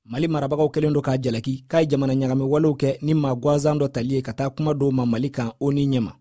mali marabagaw kɛlen don k'a jalaki k'a ye jamana ɲagami wale kɛ ni maa gansan dɔ tali ye ka taa kuma di o ma mali kan onu ɲɛma